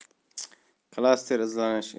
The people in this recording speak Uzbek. klaster izlanish